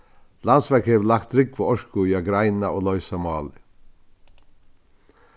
landsverk hevur lagt drúgva orku í at greina og loysa málið